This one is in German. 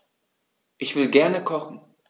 Ich will gerne kochen.